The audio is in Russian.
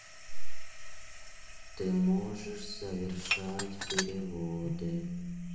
ты можешь совершать переводы